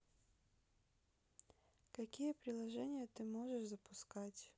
какие приложения ты можешь запускать